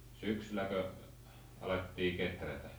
syksylläkö alettiin kehrätä